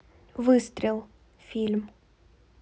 выстрел фильм